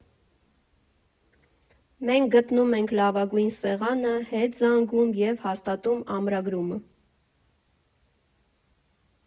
Մենք գտնում ենք լավագույն սեղանը, հետ զանգում և հաստատում ամրագրումը։